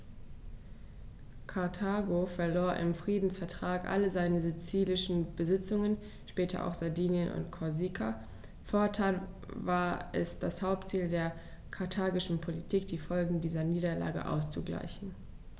Karthago verlor im Friedensvertrag alle seine sizilischen Besitzungen (später auch Sardinien und Korsika); fortan war es das Hauptziel der karthagischen Politik, die Folgen dieser Niederlage auszugleichen.